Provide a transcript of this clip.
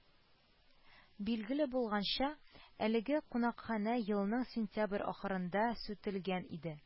Билгеле булганча, әлеге кунакханә елның сентябрь ахырында сүтелгән иде